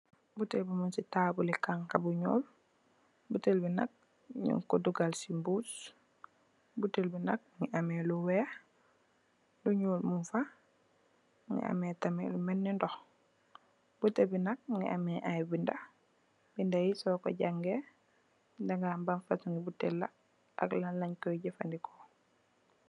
Butèèl bi mung ci tabull li xanxa bu ñuul, butèèl bi nak ñing ko dugal ci mbuus, butèèl bi nak mugii ameh lu wèèx, lu ñuul muñ fa, mugii ameh tamit lu melni ndox. Butèèl bi nak mugii ameh ay bindé yi so ko jangèè di ga xam li ban fasungi butèèl la ak lan lañ koy jafandiko.